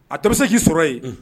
A dɔ bɛ se k'i sɔrɔ yen, un.